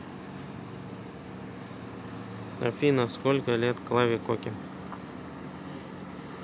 афина сколько лет клаве коке